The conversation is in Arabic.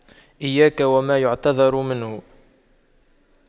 إياك وما يعتذر منه